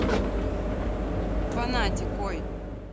фанатик ой